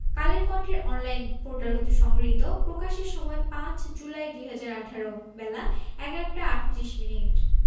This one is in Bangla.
কালের কন্ঠের অনলাইন পোর্টাল হতে সংগৃহীত প্রকাশের সময় ৫ জুলাই ২০১৮ বেলা ১১টা ৩৮ মিনিট